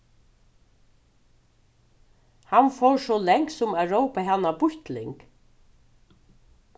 hann fór so langt sum at rópa hana býttling